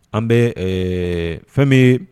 An bɛ fɛn bɛ